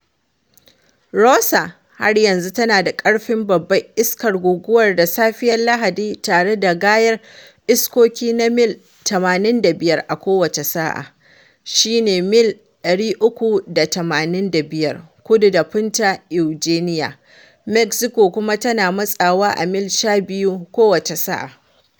Rosa, har yanzu tana da ƙarfin babbar iskar guguwa da safiyar Lahadi tare da gayar iskoki na mil 85 a kowace sa’a, shi ne mil 385 kudu da Punta Eugenia, Mexico kuma tana matsawa a mil 12 kowace sa’a.